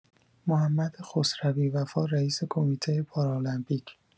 محمد خسروی وفا رئیس کمیته پارالمپیک